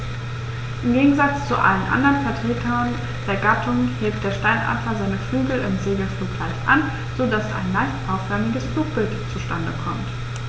Im Gegensatz zu allen anderen Vertretern der Gattung hebt der Steinadler seine Flügel im Segelflug leicht an, so dass ein leicht V-förmiges Flugbild zustande kommt.